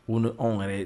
Ko ni anw yɛrɛ